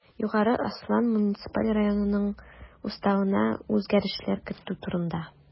Югары Ослан муниципаль районынның Уставына үзгәрешләр кертү турында